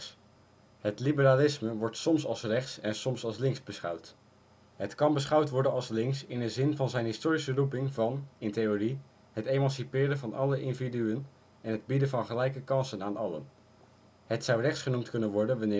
Het liberalisme wordt soms als " rechts " en soms als " links " beschouwd. Het kan beschouwd worden als links in de zin van zijn historische roeping van - in theorie - het emanciperen van alle individuen en het bieden van gelijke kansen aan allen. Het zou rechts genoemd kunnen worden